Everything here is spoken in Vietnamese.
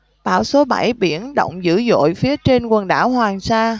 bão số bảy biển động dữ dội phía trên quần đảo hoàng sa